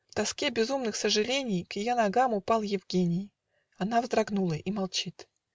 В тоске безумных сожалений К ее ногам упал Евгений Она вздрогнула и молчит